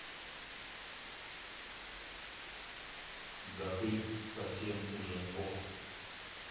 да ты совсем уже ох